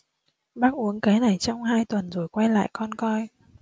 bác uống cái này trong hai tuần rồi quay lại con coi